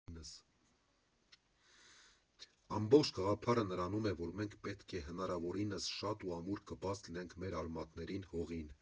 Ամբողջ գաղափարը նրանում է, որ մենք պետք է հնարավորինս շատ ու ամուր կպած լինենք մեր արմատներին՝ հողին։